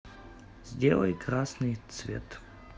сделай красный цвет